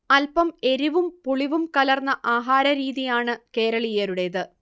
അല്പം എരിവും പുളിവും കലർന്ന ആഹാരരീതിയാണ് കേരളീയരുടേത്